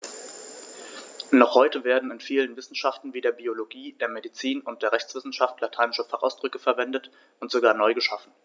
Noch heute werden in vielen Wissenschaften wie der Biologie, der Medizin und der Rechtswissenschaft lateinische Fachausdrücke verwendet und sogar neu geschaffen.